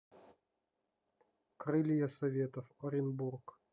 крылья советов оренбург